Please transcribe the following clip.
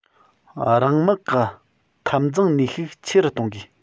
རང དམག གི འཐབ འཛིང ནུས ཤུགས ཆེ རུ གཏོང དགོས